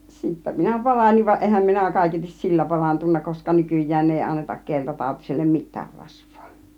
sitten minä paranin vaan enhän minä kaiketi sillä parantunut koska nykyään ei anneta keltatautiselle mitään rasvaa